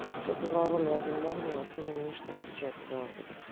кто сыграл роль вадима огнева в фильме ничто не случается дважды